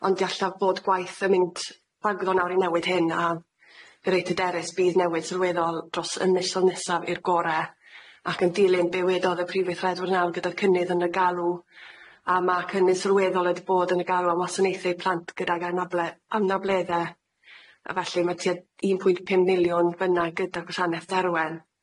Ond diallaf bod gwaith yn mynd rhagddon nawr i newid hyn a fi reit hyderus bydd newid sylweddol dros ym misodd nesaf i'r gore, ac yn dilyn be' wedodd y prif weithredwyr nawr gyda cynnydd yn y galw, a ma' cynnydd sylweddol wedi bod yn y galw am wasanaethu plant gydag anable- anabledde a felly ma tua un pwynt pum miliwn fyn na gydag gwasaneth Derwen.